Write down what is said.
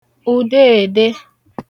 ùdeède